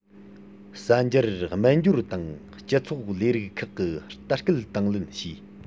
གསར འགྱུར སྨྱན སྦྱོར དང སྤྱི ཚོགས ལས རིགས ཁག གི ལྟ སྐུལ དང ལེན བྱས